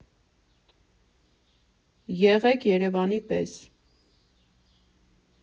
Եղեք Երևանի պես։